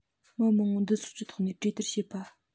མི མང པོ འདུ འཛོམས ཀྱི ཐོག ནས གྲོས བསྡུར བྱེད པ